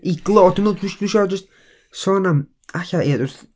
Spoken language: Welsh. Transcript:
I glo- dwi meddwl dw- dwi isio jyst sôn am, alla, ia, wrth...